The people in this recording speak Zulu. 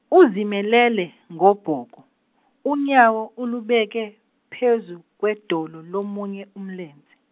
uzimelele ngobhoko unyawo ulubeke phezu kwedolo lomunye umlenze.